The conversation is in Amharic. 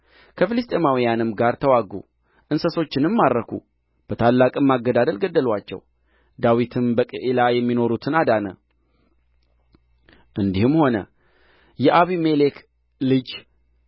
ከፍልስጥኤማውያንም ጋር ተዋጉ እንስሶቻቸውንም ማረኩ በታላቅም አገዳደል ገደሉአቸው ዳዊትም በቅዒላ የሚኖሩትን አዳነ እንዲህም ሆነ የአቢሜሌክ ልጅ